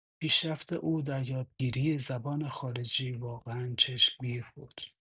پیشرفت او در یادگیری زبان خارجی واقعا چشمگیر بود.